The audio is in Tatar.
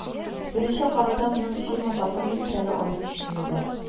Беренче карауда моның ирме, хатынмы икәнен аеру читен иде